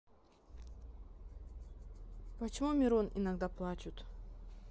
почему мирон иногда плачут